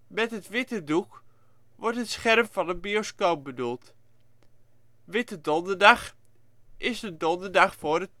Met het witte doek wordt het scherm van een bioscoop bedoeld. Witte donderdag is de donderdag voor het